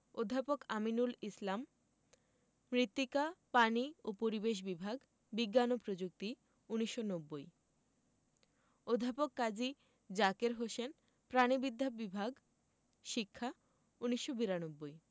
অধ্যাপক আমিনুল ইসলাম মৃত্তিকা পানি ও পরিবেশ বিভাগ বিজ্ঞান ও প্রযুক্তি ১৯৯০ অধ্যাপক কাজী জাকের হোসেন প্রাণিবিদ্যা বিভাগ শিক্ষা ১৯৯২